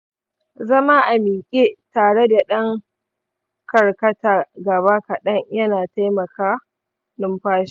zama a miƙe tare da ɗan karkata gaba kaɗan yana taimaka numfashinka.